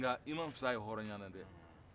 nka i man fisa a ye hɔrɔnya na dɛ